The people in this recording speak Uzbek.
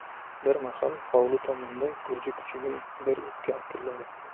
bir mahal hovli tomonda gurji kuchugim birikki akilladi